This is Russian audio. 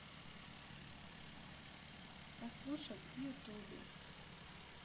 послушать в ютюбе